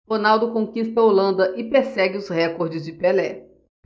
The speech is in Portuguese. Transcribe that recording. ronaldo conquista a holanda e persegue os recordes de pelé